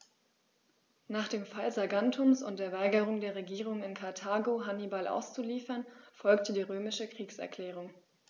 Nach dem Fall Saguntums und der Weigerung der Regierung in Karthago, Hannibal auszuliefern, folgte die römische Kriegserklärung.